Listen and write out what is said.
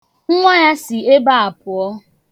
Nwa ya si ebe a pụọ.